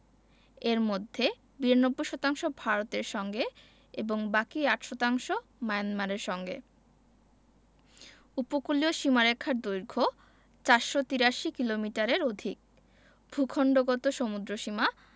এর মধ্যে ৯২ শতাংশ ভারতের সঙ্গে এবং বাকি ৮ শতাংশ মায়ানমারের সঙ্গে উপকূলীয় সীমারেখার দৈর্ঘ্য ৪৮৩ কিলোমিটারের অধিক ভূখন্ডগত সমুদ্রসীমা